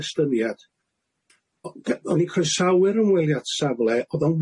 estyniad o- ga- o'n i'n croesawu'r ymweliad safle o'dd o'n